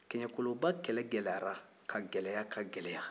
kɛɲɛkoloba kɛlɛ gɛlɛyara ka gɛlɛya ka gɛlɛya